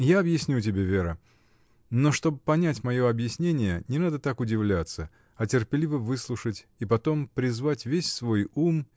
— Я объясню тебе, Вера: но чтоб понять мое объяснение, не надо так удивляться, а терпеливо выслушать и потом призвать весь свой ум.